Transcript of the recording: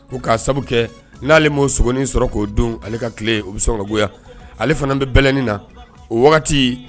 Ko k'a sabu kɛ n'ale m'o sgoni sɔrɔ k'o dun k'ale ka tile o bɛ sɔn ka goya ale fana bɛ bɛlɛnni na o wagat.i